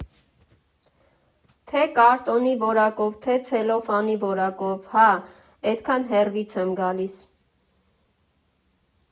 Թե կարտոնի որակով, թե ցելոֆանի որակով՝ հա, էդքան հեռվից եմ գալիս։